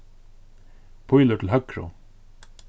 pílur til høgru